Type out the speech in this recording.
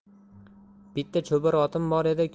bitta cho'bir otim bor